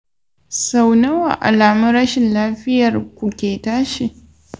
sau nawa alamun rashin lafiyar ku ke tashi?